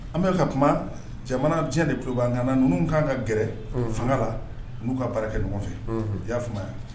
An bɛ ka kuma, jamana, diɲɛ de tulo bɛ an na, ninnu ka kan gɛrɛ fanga la n'u ka baara kɛ ɲɔgɔn fɛ i y'a faamuya?